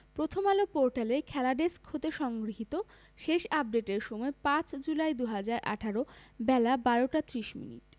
প্রথমআলো পোর্টালের খেলা ডেস্ক হতে সংগৃহীত শেষ আপডেটের সময় ৫ জুলাই ২০১৮ বেলা ১২টা ৩০মিনিট